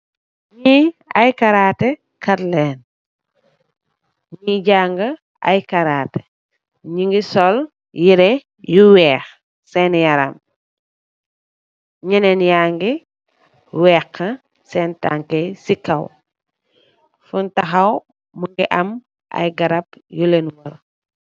Li ay karate kat len li janga karate nyugi so yereh yu weex sen yaram nyenen yagi weka sen tankai si kaw fung takaw mogi am ay garab yu len woor.